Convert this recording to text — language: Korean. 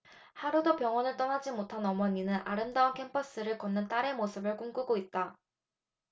하루도 병원을 떠나지 못한 어머니는 아름다운 캠퍼스를 걷는 딸의 모습을 꿈꾸고 있다